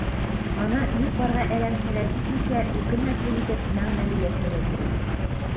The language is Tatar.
Аны юк-барга әрәм-шәрәм итмичә, үкенмәслек итеп, мәгънәле яшәргә кирәк.